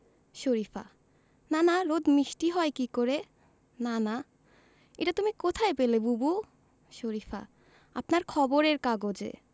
শরিফা নানা রোদ মিষ্টি হয় কী করে নানা এটা তুমি কোথায় পেলে বুবু শরিফা আপনার খবরের কাগজে